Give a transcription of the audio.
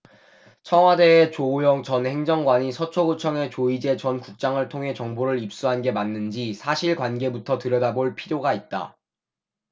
청와대의 조오영 전 행정관이 서초구청의 조이제 전 국장을 통해 정보를 입수한 게 맞는지 사실관계부터 들여다볼 필요가 있다